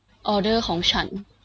ออเดอร์ของฉัน